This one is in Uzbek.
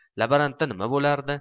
labarantda nima bo'lardi